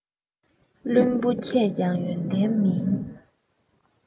བླུན པོ མཁས ཀྱང ཡོན ཏན མིན